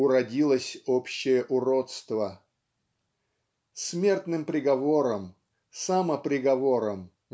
уродилось общее уродство. Смертным приговором самоприговором